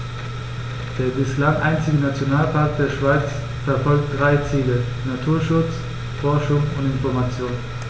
Der bislang einzige Nationalpark der Schweiz verfolgt drei Ziele: Naturschutz, Forschung und Information.